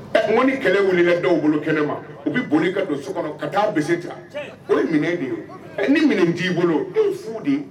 Ɛ ŋo ni kɛlɛ wilila dɔw bolo kɛnɛma u bi boli ka don so kɔnɔ ka taa bese ta tiɲɛ o ye minɛn de ye o ɛ ni minɛn t'i bolo e ye fu de ye